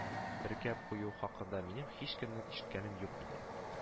Беркәп кую хакында минем һичкемне ишеткәнем юк иде